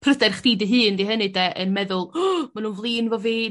pryder chdi dy hun 'di hynny 'de yn meddwl ma' nw'n flin 'fo fi.